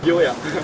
dui à